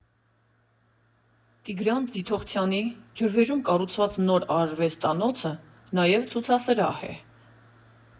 Տիգրան Ձիթողցյանի՝ Ջրվեժում կառուցված նոր արվեստանոցը նաև ցուցասրահ է։